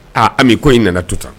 Aa a ko i nana to tan